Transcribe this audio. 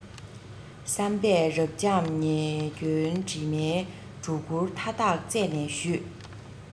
བསམ པས རབ འབྱམས ཉེས སྐྱོན དྲི མའི སྒྲོ སྐུར མཐའ དག རྩད ནས བཞུས